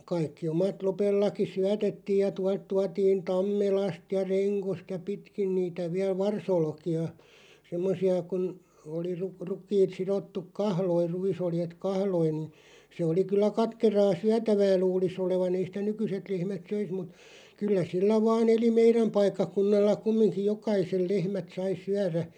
kaikki omat Lopellakin syötettiin ja - tuotiin Tammelasta ja Rengosta ja pitkin niitä vielä varsiolkia semmoisia kun oli - rukiit sidottu kahloihin ruisoljet kahloihin ne se oli kyllä katkeraa syötävää luulisi olevan ei sitä nykyiset lehmät söisi mutta kyllä sillä vain eli meidän paikkakunnalla kumminkin jokaisen lehmät sai syödä